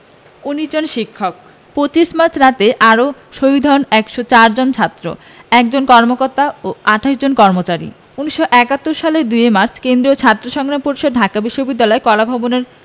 ১৯ জন শিক্ষক ২৫ মার্চ রাতে আরো শহীদ হন ১০৪ জন ছাত্র ১ জন কর্মকর্তা ও ২৮ জন কর্মচারী ১৯৭১ সালের ২ মার্চ কেন্দ্রীয় ছাত্র সংগ্রাম পরিষদ ঢাকা বিশ্ববিদ্যালয় কলাভবনের